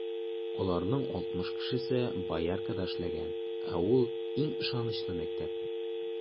Аларның алтмыш кешесе Бояркада эшләгән, ә ул - иң ышанычлы мәктәп.